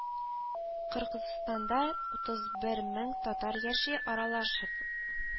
Кыргызстанда утыз бер мең татар яши, аралашып